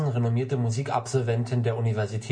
renommierte Musik-Absolventin der Universität